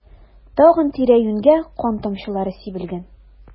Тагын тирә-юньгә кан тамчылары сибелгән.